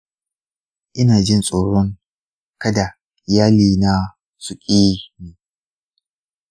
ina jin tsoron kada iyali na su ƙi ni.